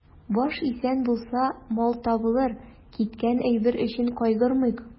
Баш исән булса, мал табылыр, киткән әйбер өчен кайгырмыйк.